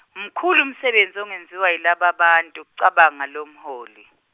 mkhulu umsebenzi ongayenziwa yilaba bantu cabanga lomholi.